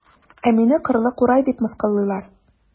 Ә мине кырлы курай дип мыскыллыйлар.